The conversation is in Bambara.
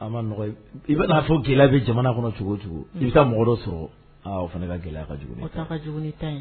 A ma i bɛ'a fɔ gɛlɛya bɛ jamana kɔnɔ cogo cogo i bɛ ka mɔgɔ dɔ sɔrɔ o fana ka gɛlɛya ka